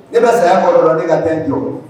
Ne bɛ saya kɔrɔ la ne ka den jɔ rɔ